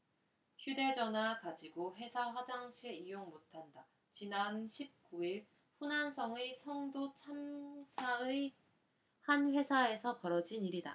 휴대전화 가지고 회사 화장실 이용 못한다 지난 십 구 일 후난성의 성도 창사의 한 회사에서 벌어진 일이다